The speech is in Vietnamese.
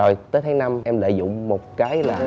rồi tới tháng năm em lợi dụng một cái là